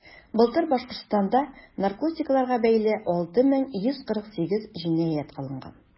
Былтыр Башкортстанда наркотикларга бәйле 6148 җинаять кылынган.